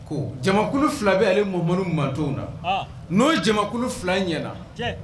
Ko jamakulu 2 bɛ ale Mamadu mantonw na n'o jamakulu 2 ɲɛn na